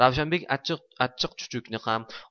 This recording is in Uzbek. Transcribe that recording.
ravshanbek achchiq chuchukni ham